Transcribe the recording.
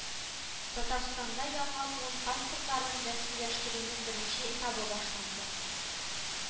Татарстанда яңа буын паспортларын рәсмиләштерүнең беренче этабы башланды